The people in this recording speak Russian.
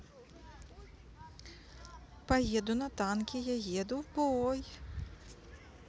поеду на танке я еду в бой